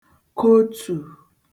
kotù